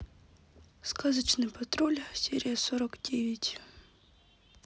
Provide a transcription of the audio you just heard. сказочный патруль серия сорок девять